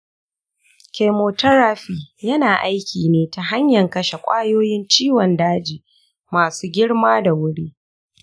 chemotherapy yana aiki ne ta hanyan kashe ƙwayoyin ciwon daji masu girma da wuri.